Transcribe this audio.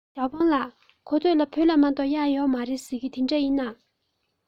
ཞའོ ཧྥུང ལགས གོ ཐོས ལ བོད ལྗོངས མ གཏོགས གཡག ཡོད མ རེད ཟེར གྱིས དེ འདྲ ཡིན ན